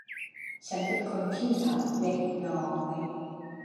ฉันเป็นคนขี้เหงาเล็กน้อย